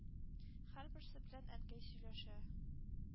Һәрберсе белән Әнкәй сөйләшә: